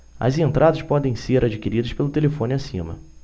as entradas podem ser adquiridas pelo telefone acima